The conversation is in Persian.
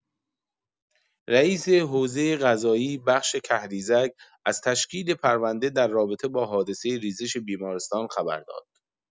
رئیس حوزه قضایی بخش کهریزک از تشکیل پرونده در رابطه با حادثه ریزش بیمارستان خبر داد.